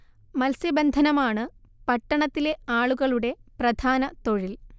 മത്സ്യബന്ധനമാണ് പട്ടണത്തിലെ ആളുകളുടെ പ്രധാന തൊഴിൽ